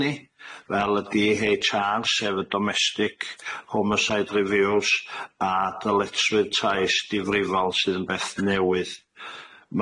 ni fel y Dee Haitch Are sef y Domestic Homicide Reviews a dyletswydd trais difrifol sydd yn beth newydd.